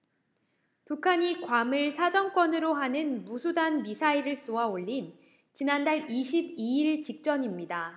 북한이 괌을 사정권으로 하는 무수단 미사일을 쏘아 올린 지난달 이십 이 일 직전입니다